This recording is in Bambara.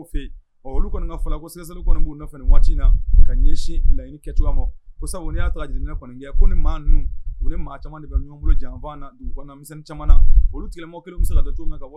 Kɔni' waati na ka ɲɛsin laɲini kɛ cogoya ma kosa y'a lajɛlen ne kɔni ko ni maa maa caman de ka ɲɔgɔn bolo janfan dugu kɔnɔmisɛn caman na olu kɛlɛma kelen bɛ la don cogo min